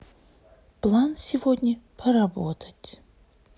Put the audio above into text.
план сегодня поработать